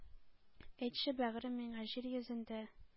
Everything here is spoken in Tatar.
Әйтче, бәгърем, миңа, җир йөзендә